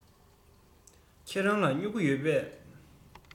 ཁྱེད རང ལ སྨྱུ གུ ཡོད པས